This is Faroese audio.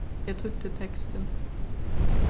eg týddi tekstin